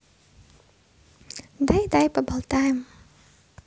давай давай поболтаем